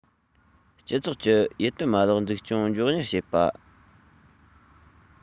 སྤྱི ཚོགས ཀྱི ཡིད རྟོན མ ལག འཛུགས སྐྱོང མགྱོགས མྱུར བྱེད པ